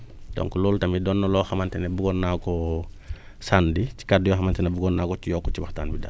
donc loolu tamit doon na loo xamante ne buggoon naa koo sànni ci kàddu yoo xamante ne buggoon naa ko ci yokk ci waxtaan bi daal